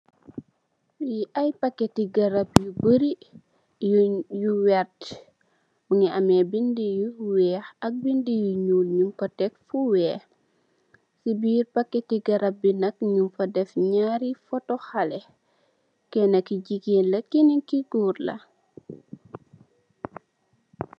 Li ay pakèti garab yu bari, yu vert mungi ameh bind yu weeh ak bind yu ñuul, nung ko tekk fu weeh. Ci biir pakèti garab bi nak nung deff naari photo haley. Kenna ki jigéen la, kenen ki gòor la.